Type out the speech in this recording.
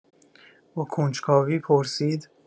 با کنجکاوی پرسید